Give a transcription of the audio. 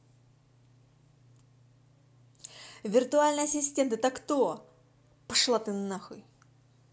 виртуальный ассистент это кто пошла ты нахуй